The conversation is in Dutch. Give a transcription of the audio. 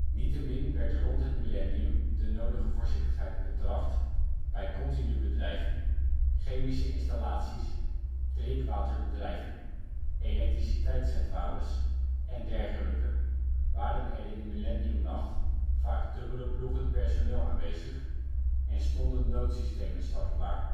Niettemin werd rond het millennium de nodige voorzichtigheid betracht, bij continubedrijven, chemische installaties, drinkwaterbedrijven, elektriciteitscentrales en dergelijke waren er in de millenniumnacht vaak dubbele ploegen personeel aanwezig en stonden noodsystemen startklaar